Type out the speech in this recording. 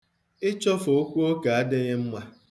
Ịchọfe okwu oke adịghị mma.